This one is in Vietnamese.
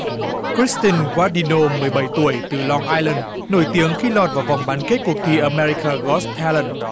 cờ rít từn goát đi nô mười bảy tuổi từ loọc ai lừn nổi tiếng khi lọt vào vòng bán kết cuộc thi ờ me ri cờ gót thai lừn